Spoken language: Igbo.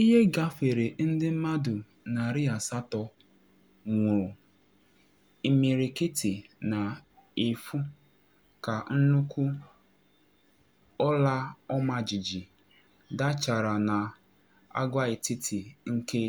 Ihe gafere ndị mmadụ 800 nwụrụ, imirikiti na efu ka nnukwu ọla ọmajiji dachara na agwaetiti nke